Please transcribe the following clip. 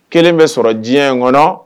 Kelen bɛ sɔrɔ diɲɛ in kɔnɔ